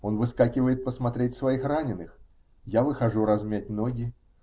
Он выскакивает посмотреть своих раненых. Я выхожу размять ноги.